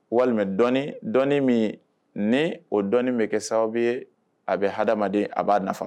Walima dɔ min ne o dɔn bɛ kɛ sababu bɛ ye a bɛ hadamaden a b'a nafa